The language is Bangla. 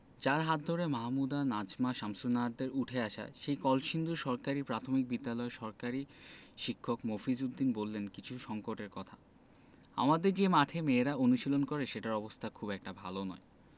যাঁর হাত ধরে মাহমুদা নাজমা শামসুন্নাহারদের উঠে আসা সেই কলসিন্দুর সরকারি প্রাথমিক বিদ্যালয়ের সরকারী শিক্ষক মফিজ উদ্দিন বললেন কিছু সংকটের কথা আমাদের যে মাঠে মেয়েরা অনুশীলন করে সেটির অবস্থা খুব একটা ভালো নয়